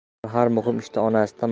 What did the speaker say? bobur har muhim ishda onasidan